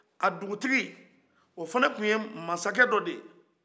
a dugutigi o fana tun ye masakɛ dɔ de ye